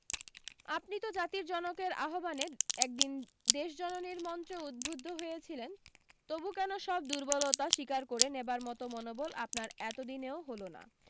আপনি তো জাতির জনকের আহ্বানে একদিন দেশজননীর মন্ত্রে উদ্বুদ্ধ হয়েছিলেন তবু কেন সব দুর্বলতা স্বীকার করে নেবার মতো মনোবল আপনার এতদিনেও হলো না